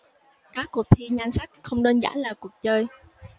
các cuộc thi nhan sắc không đơn giản là cuộc chơi